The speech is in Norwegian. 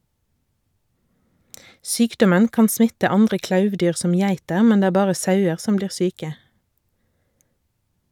Sykdommen kan smitte andre klauvdyr som geiter, men det er bare sauer som blir syke.